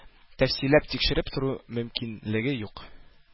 Тәфсилләп тикшереп тору мөмкинлеге юк